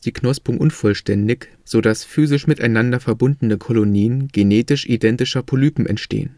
Knospung unvollständig, so dass physisch miteinander verbundene Kolonien genetisch identischer Polypen entstehen